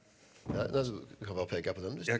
nei altså kan bare peke på den .